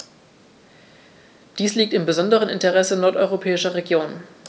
Dies liegt im besonderen Interesse nordeuropäischer Regionen.